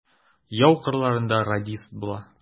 Яу кырларында радист була.